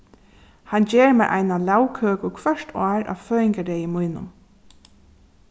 hann ger mær eina lagkøku hvørt ár á føðingardegi mínum